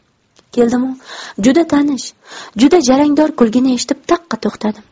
keldimu juda tanish juda jarangdor kulgini eshitib taqqa to'xtadim